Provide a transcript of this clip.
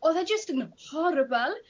O'dd e jyst yn horibyl.